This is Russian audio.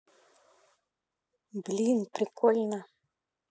блин прикольно